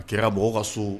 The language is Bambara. A kɛra mɔgɔw ka so